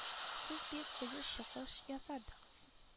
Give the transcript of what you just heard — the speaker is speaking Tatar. Сез бик кыю чыгыш ясадыгыз